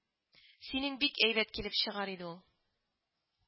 Синең бик әйбәт килеп чыгар иде ул